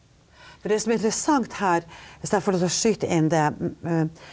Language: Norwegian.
for det som er interessant her, hvis jeg får lov til å skyte inn det .